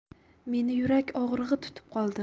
meni yurak og'rig'i tutib qoldi